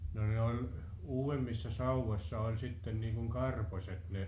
no ne oli uudemmissa sauvoissa oli sitten niin kuin karposet ne